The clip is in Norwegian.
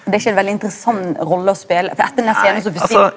det er ikkje en veldig interessant rolle å spele for etter den her scenen så forsvinn.